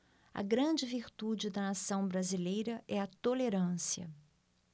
a grande virtude da nação brasileira é a tolerância